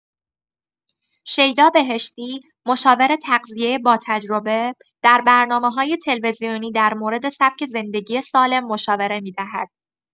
شیدا بهشتی، مشاور تغذیه با تجربه، در برنامه‌‌های تلویزیونی در مورد سبک زندگی سالم مشاوره می‌دهد.